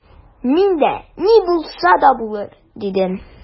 Мин дә: «Ни булса да булыр»,— дидем.